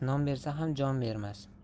non bersa ham jon bermas